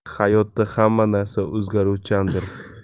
hayotda hamma narsa o'zgaruvchandir